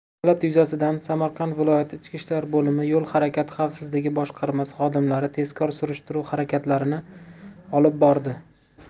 holat yuzasidan samarqand viloyati ichki ishlar boimi yo'l harakati xavfsizligi boshqarmasi xodimlari tezkor surishtiruv harakatlarini olib bordi